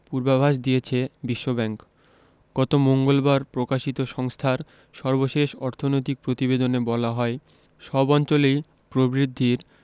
পূর্বাভাস দিয়েছে বিশ্বব্যাংক গত মঙ্গলবার প্রকাশিত সংস্থার সর্বশেষ অর্থনৈতিক প্রতিবেদনে বলা হয় সব অঞ্চলেই প্রবৃদ্ধির